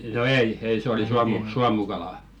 no ei ei se oli - suomukala